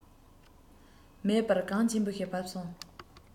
མེད པར གངས ཆེན པོ ཞིག བབས སོང